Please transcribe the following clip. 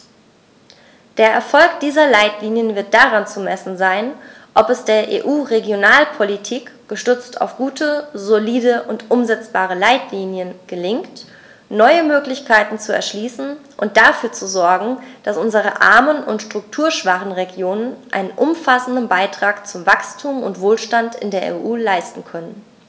Der Erfolg dieser Leitlinien wird daran zu messen sein, ob es der EU-Regionalpolitik, gestützt auf gute, solide und umsetzbare Leitlinien, gelingt, neue Möglichkeiten zu erschließen und dafür zu sorgen, dass unsere armen und strukturschwachen Regionen einen umfassenden Beitrag zu Wachstum und Wohlstand in der EU leisten können.